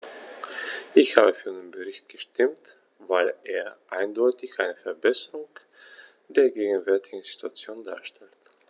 Ich habe für den Bericht gestimmt, weil er eindeutig eine Verbesserung der gegenwärtigen Situation darstellt.